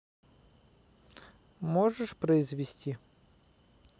можешь произвести